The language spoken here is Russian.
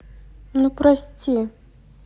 ну прости